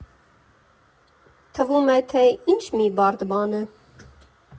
Թվում է թե ինչ մի բարդ բան է.